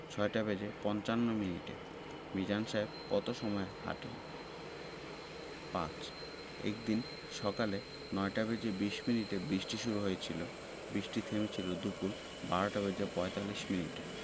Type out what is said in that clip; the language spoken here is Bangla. ৬টা বেজে পঞ্চান্ন মিনিটে মিজান সাহেব কত সময় হাঁটেন ৫ একদিন সকালে ৯টা বেজে ২০ মিনিটে বৃষ্টি শুরু হয়েছিল বৃষ্টি থেমেছিল দুপুর ১২টা বেজে ৪৫ মিনিটে